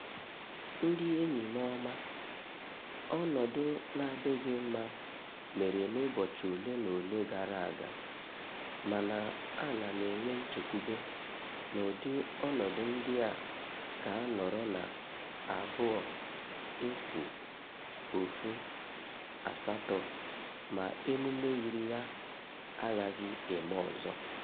Ndị enyi m ọma, ọnọdụ na-adịghị mma mere n'ụbọchị ole na ole gara aga, mana ana m enwe nchekwube na ụdị ọnọdụ ndị a ga-anọrọ na 2018 ma emume yiri ya agaghị eme ọzọ.